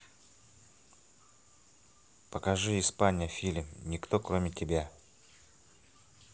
покажите испания фильм никто кроме тебя